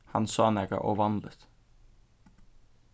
hann sá nakað óvanligt